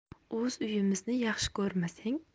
o'z uyimizni yaxshi ko'rmasang